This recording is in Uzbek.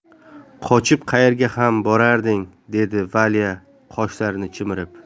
qochib qaerga ham borarding dedi valya qoshlarini chimirib